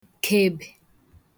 kèbè